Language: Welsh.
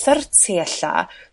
thirty ella